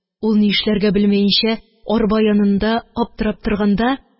Ул ни эшләргә белмәенчә арба янында аптырап торганда